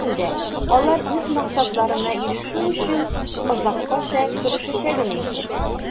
Һәрхәлдә, алар үз максатларына ирешү өчен, азаккача көрәшәчәген әйтә.